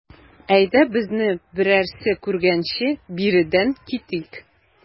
Әйдә, безне берәрсе күргәнче биредән китик.